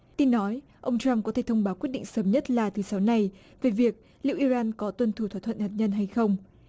tin nói ông trăm có thể thông báo quyết định sớm nhất là thứ sáu này về việc liệu i ran có tuân thủ thỏa thuận hạt nhân hay không